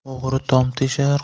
o'g'ri tom teshar